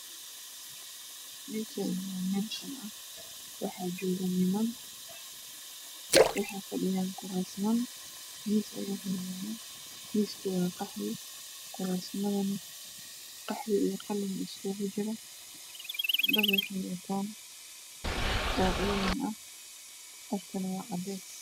Meshani waxaa joogan niman wexey watan dharka cidanka oo cadees ah wexay fadhiyan kuras waxaa hor yala mis misku waa qaxwi galasmadana waa qaxwi iyo qalin iskugu jiraan